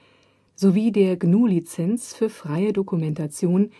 GNU Lizenz für freie Dokumentation